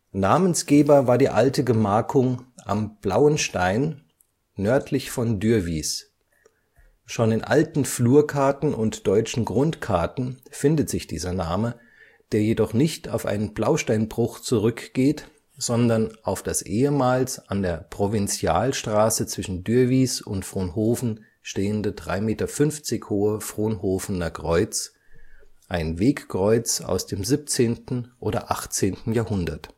Namensgeber war die alte Gemarkung Am blauen Stein nördlich von Dürwiß. Schon in alten Flurkarten und Deutschen Grundkarten findet sich dieser Name, der jedoch nicht auf einen Blausteinsteinbruch zurückgeht, sondern auf das ehemals an der Provinzialstraße zwischen Dürwiß und Fronhoven stehende 3,50 Meter hohe Fronhovener Kreuz, ein Wegkreuz aus dem 17. oder 18. Jahrhundert